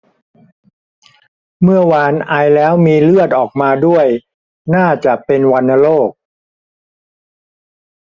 เมื่อวานไอแล้วมีเลือดออกมาด้วยน่าจะเป็นวัณโรค